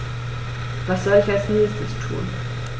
Was soll ich als Nächstes tun?